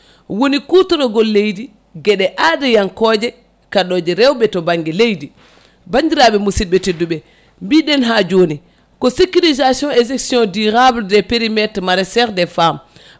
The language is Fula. woni kutorgol leydi gueɗe adiyankoje kaɗoje rewɓe to banggue leydi bandirɓe musidɓe tedduɓe mbiɗen ha joni ko sécurisation et gestion durable des périmétres maraîchère des femmes